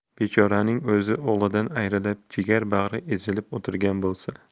bechoraning o'zi o'g'lidan ayrilib jigar bag'ri ezilib o'tirgan bo'lsa